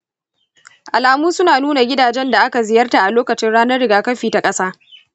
alamu suna nuna gidajen da aka ziyarta a lokacin ranar rigakafi ta ƙasa.